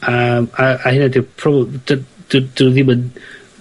A yym a a hynna ydyw pro- dy- dy 'dwn nw ddim yn